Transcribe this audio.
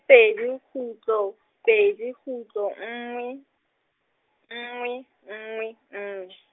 pedi kgutlo, pedi kgutlo nngwe, nngwe, nngwe, nne.